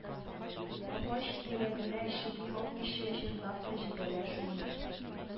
Гач, йөрәгенә чыдый алмыйча, җырлап та җибәрә, шуны